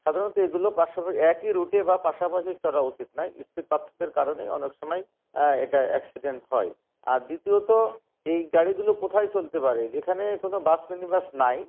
সাধারণত এগুলো একই রুটে বা পাশাপাশি চলা উচিত নয় স্পিডের পার্থকের জন্য অনেক সময় এক্সিডেন্ট হয় আর দ্বিতীয়তঃ এগুলো কোথায় চলতে পারে যেখানে বাস মিনিবাস নাই